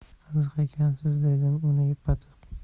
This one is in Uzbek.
qiziq ekansiz dedim uni yupatib